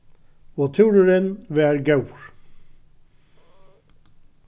og túrurin var góður